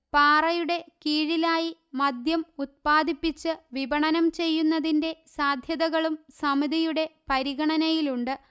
പാറയുടെ കീഴിലായി മദ്യം ഉത്പാദിപ്പിച്ച് വിപണനം ചെയ്യുന്നതിന്റെ സാധ്യതകളും സമിതിയുടെ പരിഗണനയിലുണ്ട്